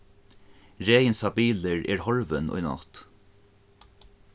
reginsa bilur er horvin í nátt